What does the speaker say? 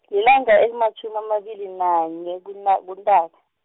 lilanga elimatjhumi amabili nanye, kuNa- kuNtaka.